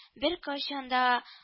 Беркайчан да